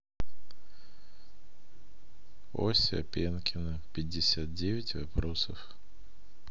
osia пенкина пятьдесят десять вопросов